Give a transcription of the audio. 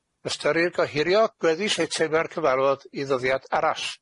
ystyrir gohirio gweddill eitema'r cyfarfod i ddyddiad arall.